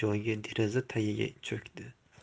joyga deraza tagiga cho'kdi